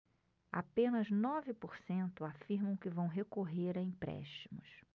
apenas nove por cento afirmam que vão recorrer a empréstimos